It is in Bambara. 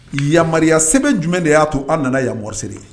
Yamaruya sɛbɛn bɛ jumɛn de y'a to an nana yamosi de ye